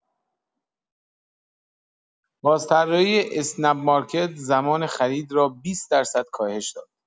بازطراحی اسنپ‌مارکت زمان خرید را ۲۰ درصد کاهش داد.